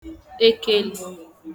ekelē